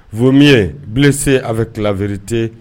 Vaut mieux blesser avec la vérité